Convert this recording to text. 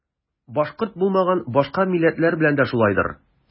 Башкорт булмаган башка милләтләр белән дә шулайдыр.